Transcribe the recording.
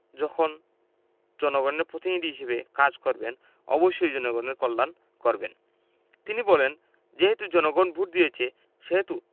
যখন জনগণের প্রতিনিধি হিসেবে কাজ করবেন অবশ্যই জনগণের কল্যাণ করবেন তিনি বলেন যেহেতু জনগণ ভোট দিয়েছে সেহেতু